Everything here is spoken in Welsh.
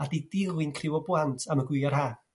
a di dilyn criw o blant am y gwylia' ha'.